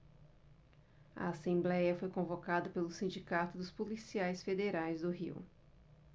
a assembléia foi convocada pelo sindicato dos policiais federais no rio